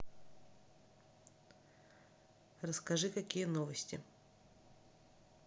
расскажи какие новости